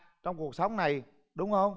trong cuộc sống này đúng hông